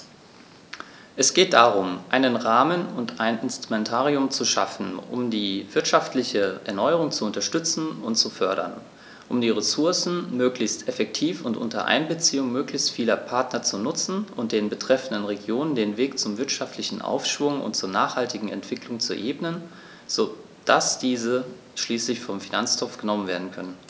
Es geht darum, einen Rahmen und ein Instrumentarium zu schaffen, um die wirtschaftliche Erneuerung zu unterstützen und zu fördern, um die Ressourcen möglichst effektiv und unter Einbeziehung möglichst vieler Partner zu nutzen und den betreffenden Regionen den Weg zum wirtschaftlichen Aufschwung und zur nachhaltigen Entwicklung zu ebnen, so dass diese schließlich vom Finanztropf genommen werden können.